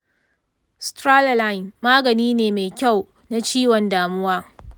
sertraline magani ne mai kyau na ciwon damuwa